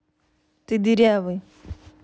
ты дырявый